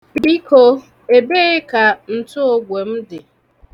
Biko, ebee ka ntụogwe m dị?